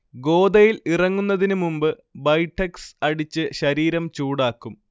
ഗോദയിൽ ഇറങ്ങുന്നതിന് മുമ്പ് ബൈഠക്സ് അടിച്ച് ശരീരം ചൂടാക്കും